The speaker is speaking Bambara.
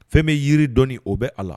Fɛn bɛ yiri dɔ o bɛ a la